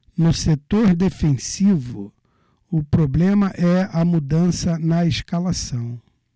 no setor defensivo o problema é a mudança na escalação